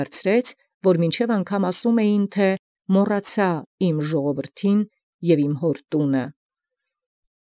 Ցուցանել, մինչև ասել, թէ՝ «Մոռացայ զժողովուրդ իմ և զտուն հաւր իմոյե։